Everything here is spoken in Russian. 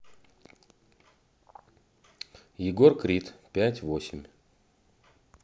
егор крид пять восемь